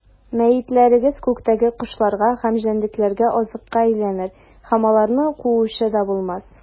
Мәетләрегез күктәге кошларга һәм җәнлекләргә азыкка әйләнер, һәм аларны куучы да булмас.